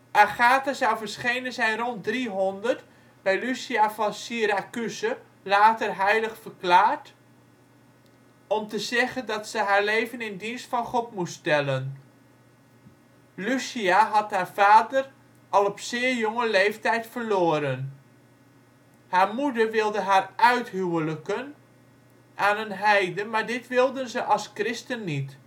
zou verschenen zijn rond 300 bij Lucia van Syracuse (later heilig verklaard) om te zeggen dat ze haar leven in dienst van God moest stellen. Lucia had haar vader al op zeer jonge leeftijd verloren. Haar moeder wilde haar uithuwelijken aan een heiden, maar dit wilde ze als christen niet